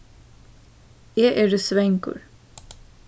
eg eri svangur